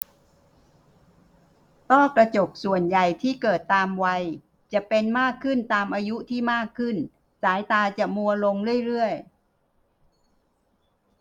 ต้อกระจกส่วนใหญ่ที่เกิดตามวัยจะเป็นมากขึ้นตามอายุที่มากขึ้นสายตาจะมัวลงเรื่อยเรื่อย